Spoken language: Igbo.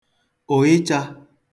ụ̀ịchā